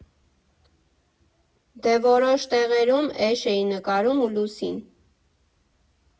Դե, որոշ տեղերում էշ էի նկարում ու լուսին։